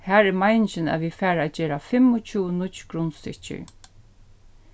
har er meiningin at vit fara at gera fimmogtjúgu nýggj grundstykkir